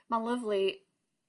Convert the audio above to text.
Ma'n lyfli